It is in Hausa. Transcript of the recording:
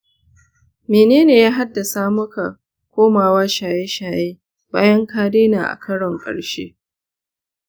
mene ne ya haddasa maka komawa shaye-shaye bayan ka daina a karon ƙarshe?